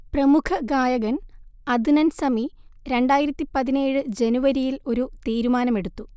പ്രമുഖഗായകൻ അദ്നൻ സമി രണ്ടായിരത്തി പതിനേഴ് ജനുവരിയിൽ ഒരു തീരുമാനമെടുത്തു